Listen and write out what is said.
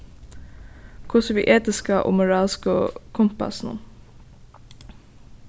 hvussu við etiska og moralsku kumpassinum